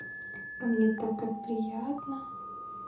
а мне так как приятно